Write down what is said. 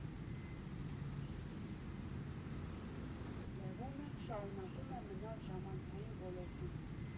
Լևոնը շարունակում է մնալ ժամանցային ոլորտում.